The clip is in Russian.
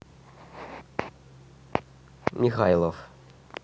михайлов